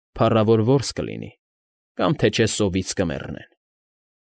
Փառավոր որս կլինի, կամ թե չէ սովից կմեռնեն։